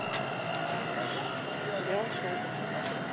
сериал шелдон